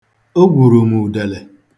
O gwuru m udele.